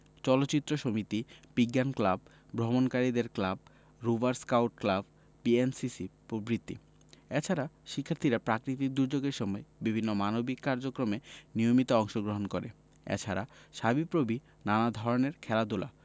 চলচ্চিত্র সমিতি বিজ্ঞান ক্লাব ভ্রমণকারীদের club rover scout club BNCC পভৃতি এছাড়া শিক্ষার্থীরা প্রাকৃতিক দূর্যোগের সময় বিভিন্ন মানবিক কার্যক্রমে নিয়মিত অংশগ্রহণ করে এছাড়া সাবিপ্রবি নানা ধরনের খেলাধুলা